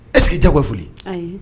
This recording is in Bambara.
Est ce que diyagoya ye foli ye, ayi